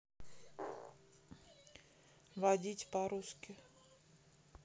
водить по русски